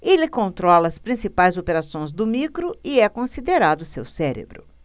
ele controla as principais operações do micro e é considerado seu cérebro